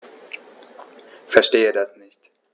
Verstehe das nicht.